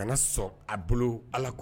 Kana sɔn a bolo allah